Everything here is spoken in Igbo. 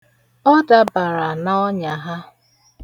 Ọ dabara n'ọnya ha.